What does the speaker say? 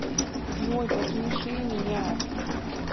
джой посмеши меня